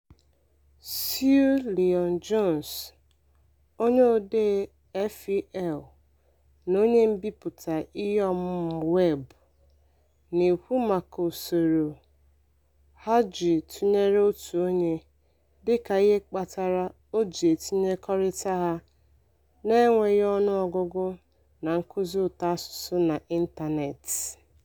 Sue Lyon-Jones, onye odee EFL na onye mbipụta iheọmụmụ weebụ, na-ekwu maka usoro iji ha tụnyere otu onye dịka ihe kpatara o ji etinyekọrịta ha n'enweghị ọnụọgụgụ na nkụzi ụtọasụsụ n'ịntaneetị.